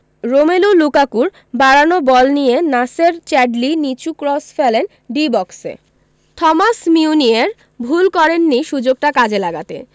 Romelu লুকাকুর বাড়ানো ball ধরে নাসের চ্যাডলি নিচু ক্রস ফেলেন ডি বক্সে থমাস মিউনিয়ের ভুল করেননি সুযোগটা কাজে লাগাতে